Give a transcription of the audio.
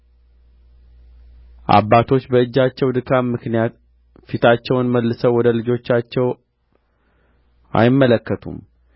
አባቶች በእጃቸው ድካም ምክንያት ፊታቸውን መልሰው ወደ ልጆቻቸው አይመለከቱም